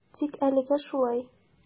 Тик әлегә шулай.